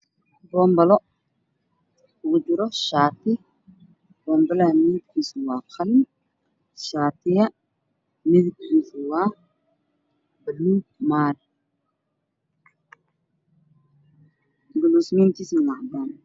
Bambal uu ku jiro shati bombalaha kala geyso waa qalin shaatiga ka leerkiisu waa caddaan waxayna saaranyihiin mis